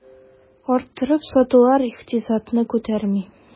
Арттырып сатулар икътисадны күтәрми.